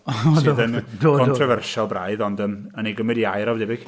sydd yn controversial braidd, ond yym rhaid ni gymryd ei air o, debyg